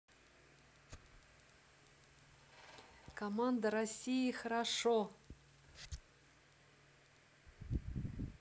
команда россии хорошо